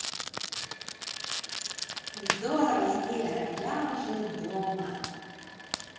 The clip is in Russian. здорово сбер я уже дома